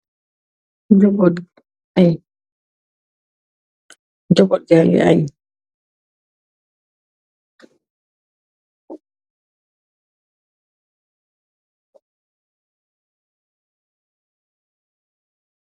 Njobot ayy njobot gnagui anj